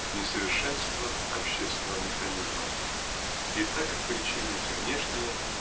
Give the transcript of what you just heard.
в несовершенствах общественного механизма. И так как причины эти внешние